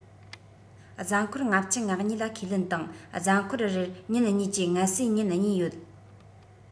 གཟའ འཁོར ༥༢ ལ ཁས ལེན དང གཟའ འཁོར རེར ཉིན གཉིས ཀྱི ངལ གསོའི ཉིན གཉིས ཡོད